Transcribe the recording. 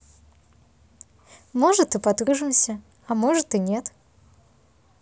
может и подружимся а может и нет